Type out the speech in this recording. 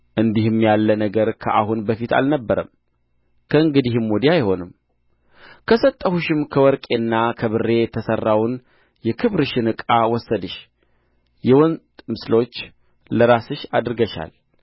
እንዲህም ያለ ነገር ከአሁን በፊት አልነበረም ከእንግዲህም ወዲያ አይሆንም ከሰጠሁሽም ከወርቄና ከብሬ የተሠራውን የክብርሽን ዕቃ ወስደሽ የወንድ ምስሎች ለራስሽ አድርገሻል